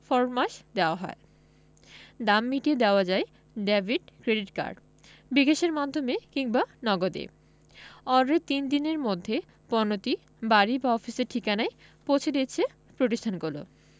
ফরমাশ দেওয়া যায় দাম মিটিয়ে দেওয়া যায় ডেভিড ক্রেডিট কার্ড বিকাশের মাধ্যমে কিংবা নগদে অর্ডারের তিন দিনের মধ্যে পণ্যটি বাড়ি বা অফিসের ঠিকানায় পৌঁছে দিচ্ছে প্রতিষ্ঠানগুলো